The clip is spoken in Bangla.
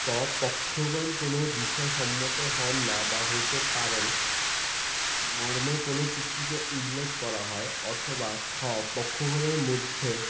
ক পক্ষগণ কোন বিষয়ে সম্মত হন বা হইতে পারেন মর্মে কোন চুক্তিতে উল্লেখ করা হয় অথবা খ পক্ষগণের মধ্যে